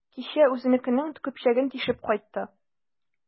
Кичә үзенекенең көпчәген тишеп кайтты.